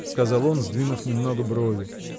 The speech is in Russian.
– сказал он, сдвинув немного брови.